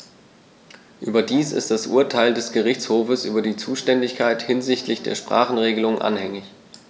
Überdies ist das Urteil des Gerichtshofes über die Zuständigkeit hinsichtlich der Sprachenregelung anhängig.